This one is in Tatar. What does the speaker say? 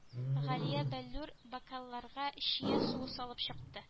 Галия бәллүр бокалларга чия суы салып чыкты